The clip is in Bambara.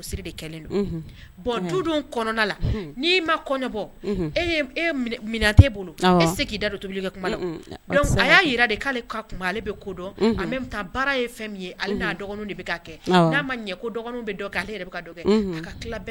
N ma kɔɲɔbɔ e bolobili a y'a jira k'ale ka kun ale bɛ kodɔn a bɛ taa baara ye fɛn min ye ale'a dɔgɔnin de bɛ kɛ n'a ma ɲɛ ko dɔgɔnin bɛ kɛ ale kɛ